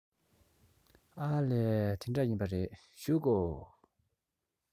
ཨ ལས དེ འདྲ ཡིན པ རེད བཞུགས དགོ